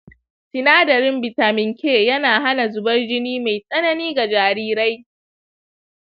sinadarin bitamin k yana hana zubar jini mai tsanani ga jarirai.